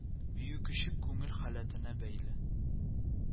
Бию көче күңел халәтенә бәйле